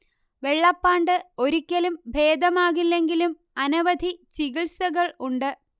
വെള്ളപ്പാണ്ട് ഒരിക്കലും ഭേദമാകില്ലെങ്കിലും അനവധി ചികിത്സകൾ ഉണ്ട്